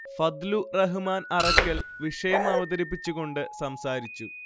ഫദ്ലു റഹ്മാൻ അറക്കൽ വിഷയമവതരിപ്പിച്ച് കൊണ്ട് സംസാരിച്ചു